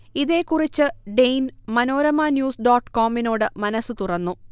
ഇതേക്കുറിച്ച് ഡെയ്ൻ മനോരമ ന്യൂസ് ഡോട്ട്കോമിനോട് മനസ് തുറന്നു